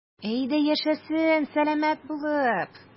Әйдә, яшәсен сәламәт булып.